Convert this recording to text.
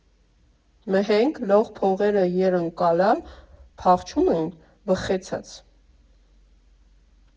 Մհենգ լոխ փողերը յերըն կալյալ փախչումըն վըխեցաց։